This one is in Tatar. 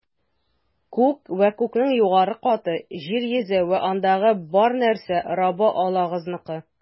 Күк вә күкнең югары каты, җир йөзе вә андагы бар нәрсә - Раббы Аллагызныкы.